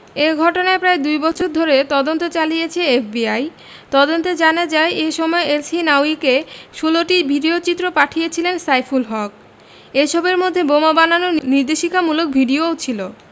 এ ঘটনায় প্রায় দুই বছর ধরে তদন্ত চালিয়েছে এফবিআই তদন্তে জানা যায় এ সময় এলসহিনাউয়িকে ১৬টি ভিডিওচিত্র পাঠিয়েছিলেন সাইফুল হক এসবের মধ্যে বোমা বানানোর নির্দেশিকামূলক ভিডিও ও ছিল